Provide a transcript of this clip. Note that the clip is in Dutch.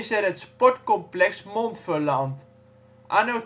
het Sportcomplex Montferland. Anno